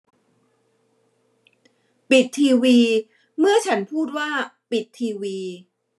ปิดทีวีเมื่อฉันพูดว่าปิดทีวี